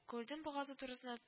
Курдем бугазы турысына